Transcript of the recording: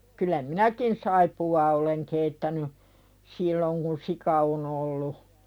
kyllä minäkin saippuaa olen keittänyt silloin kun sika on ollut